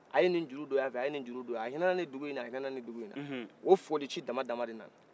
a ye nin juuru don yanfɛ a ye juuru don yan a hinɛna nin dugu in na a hinɛ nin dugu in na o foli ci dama dama de nana